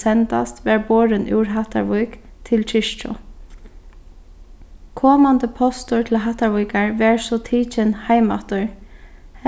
sendast varð borin úr hattarvík til kirkju komandi postur til hattarvíkar varð so tikin heimaftur